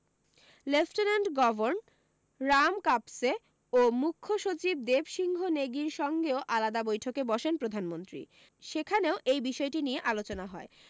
lieutenant governor Ram Kapse ও মুখ্য সচিব দেব সিংহ নেগির সঙ্গেও আলাদা বৈঠকে বসেন প্রধানমন্ত্রী সেখানেও এই বিষয়টি নিয়ে আলোচনা হয়